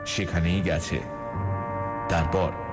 সেখানেই গেছে তারপর